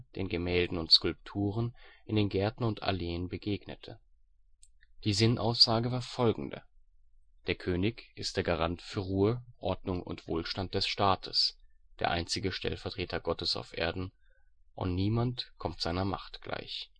den Gemälden und Skulpturen, in den Gärten und Alleen begegnete. Die Sinnaussage war folgende: Der König ist der Garant für Ruhe, Ordnung und Wohlstand des Staates, der einzige Stellvertreter Gottes auf Erden und niemand kommt seiner Macht gleich